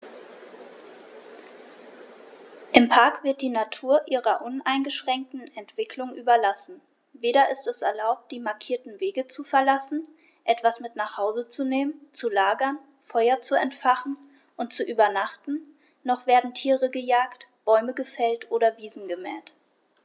Im Park wird die Natur ihrer uneingeschränkten Entwicklung überlassen; weder ist es erlaubt, die markierten Wege zu verlassen, etwas mit nach Hause zu nehmen, zu lagern, Feuer zu entfachen und zu übernachten, noch werden Tiere gejagt, Bäume gefällt oder Wiesen gemäht.